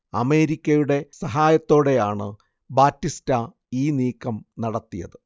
അമേരിക്കയുടെ സഹായത്തോടെയാണ് ബാറ്റിസ്റ്റ ഈ നീക്കം നടത്തിയത്